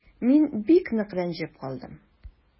Мин бик нык рәнҗеп калдым.